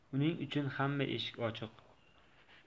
uning uchun hamma eshik ochiq